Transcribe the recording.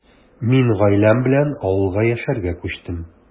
Мин гаиләм белән авылга яшәргә күчтем.